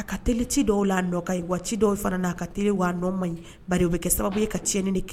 A ka teli ci dɔw ladɔn ka ɲi wa ci dɔw fana' a ka teli wadɔn man ɲi babekɛ sababu e ka tiɲɛnini de kɛ